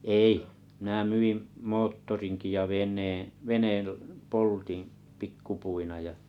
ei minä myin moottorinkin ja veneen veneen poltin pikkupuina ja